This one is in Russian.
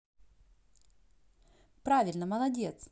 правильно молодец